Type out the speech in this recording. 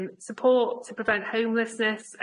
Em support to prevent homelessness,